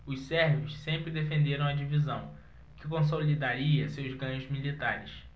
os sérvios sempre defenderam a divisão que consolidaria seus ganhos militares